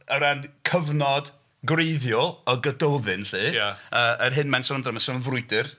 O ran cyfnod gwreiddiol y Gododdin 'lly... ia. ...yy yr hyn mae'n sôn amdan, mae'n sôn am frwydr.